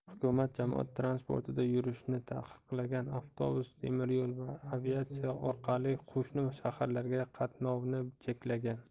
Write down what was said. hukumat jamoat transportida yurishni taqiqlagan avtobus temiryo'l va aviatsiya orqali qo'shni shaharlarga qatnovni cheklagan